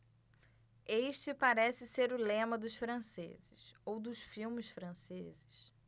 este parece ser o lema dos franceses ou dos filmes franceses